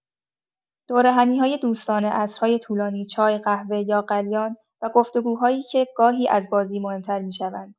دورهمی‌های دوستانه، عصرهای طولانی، چای، قهوه یا قلیان و گفت‌وگوهایی که گاهی از بازی مهم‌تر می‌شوند.